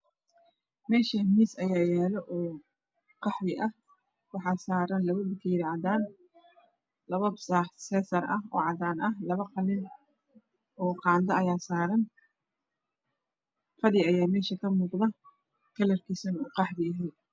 Meshani miis ayaa yala oo qaxwi ah waxaa saran laba bakeeri oo cadan ah laba saxan oo seysar ah laba qalin oo qaada ayaa saran fadhi ayaa mesha ka muuqda kalarkisuna qaxwi yahay